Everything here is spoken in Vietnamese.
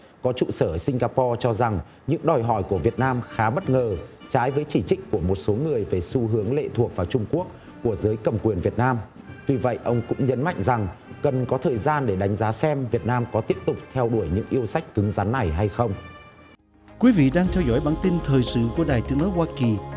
có trụ sở sing ga bo cho rằng những đòi hỏi của việt nam khá bất ngờ trái với chỉ trích của một số người về xu hướng lệ thuộc vào trung quốc của giới cầm quyền việt nam tuy vậy ông cũng nhấn mạnh rằng cần có thời gian để đánh giá xem việt nam có tiếp tục theo đuổi những yêu sách cứng rắn này hay không quý vị đang theo dõi bản tin thời sự của đài tiếng nói hoa kỳ